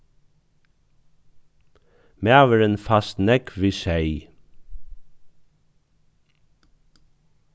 maðurin fæst nógv við seyð